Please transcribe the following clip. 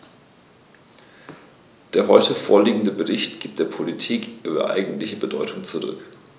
Der heute vorliegende Bericht gibt der Politik ihre eigentliche Bedeutung zurück.